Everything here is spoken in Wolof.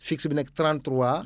fix bi nekk 33